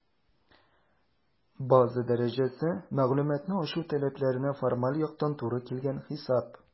«база дәрәҗәсе» - мәгълүматны ачу таләпләренә формаль яктан туры килгән хисап.